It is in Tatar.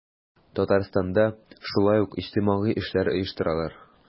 Татарстанда шулай ук иҗтимагый эшләр оештыралар.